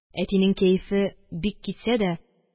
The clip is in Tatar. Әтинең кәефе бик китсә дә